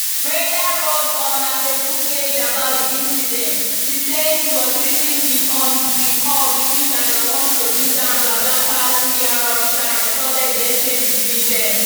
Reyder wrote on her Facebook page about the incident. She says she was listening in on the call between Channel One’s producer and BlaBlaCar’s PR officer and recorded the exchange between them: